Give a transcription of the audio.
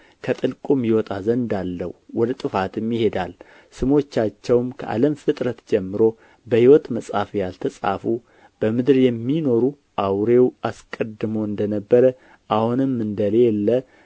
ከጥልቁም ይወጣ ዘንድ አለው ወደ ጥፋትም ይሄዳል ስሞቻቸውም ከዓለም ፍጥረት ጀምሮ በሕይወት መጽሐፍ ያልተጻፉ በምድር የሚኖሩ አውሬው አስቀድሞ እንደነበረ አሁንም እንደሌለ